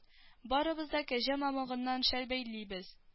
Барыбыз да кәҗә мамыгыннан шәл бәйлибез